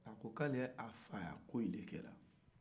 a ko k'a bɛ a fa ka kow de kɛ